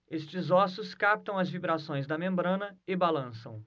estes ossos captam as vibrações da membrana e balançam